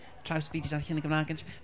traws fi 'di darllen yn Gymraeg yn sh-...